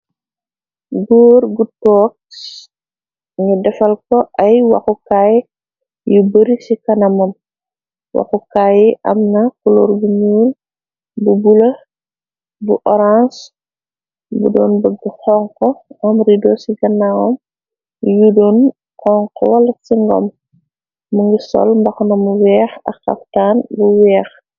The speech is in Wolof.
Goor gu tonie nu defal ko ay waxukaay yu bari ci kanamam waxukaay yi am na kuloor bu nuul bu bule bu orance bu doon bëgg xonxo am ridou ci ganaawam yu doon xonxo wala ci ngom mu ngi sol mbaxna mu weex ak xaftaan bu weex.